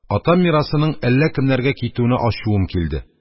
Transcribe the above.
Атам мирасының әллә кемнәргә китүенә ачуым килде.